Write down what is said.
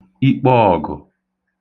ikpọọ̀gụ̀